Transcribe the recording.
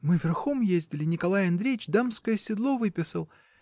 — Мы верхом ездили, Николай Андреич дамское седло выписал.